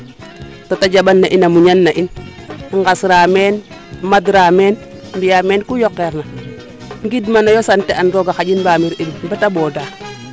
to te jambsnd nsa in a muñan nsa in i ngasra meen band raa meen mbiya meen ku yokeer na ngind manoyo sant an rooga xanjin mbamir in bata ɓooɗa